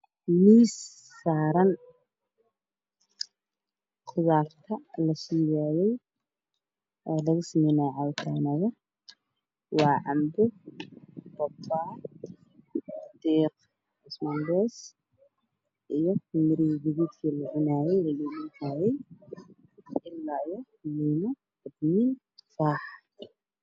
Miis saaran qudaarta la shiido oo laga samaynaayo cabitaan waa canbo babay diiq ismaandhays io miraha guduudka la cunaayay io tufaax